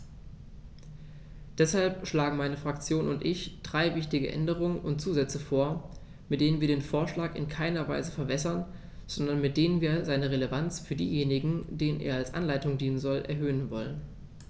Deshalb schlagen meine Fraktion und ich drei wichtige Änderungen und Zusätze vor, mit denen wir den Vorschlag in keiner Weise verwässern, sondern mit denen wir seine Relevanz für diejenigen, denen er als Anleitung dienen soll, erhöhen wollen.